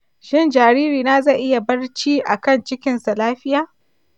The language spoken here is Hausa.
shin jaririna zai iya barci a kan cikinsa lafiya?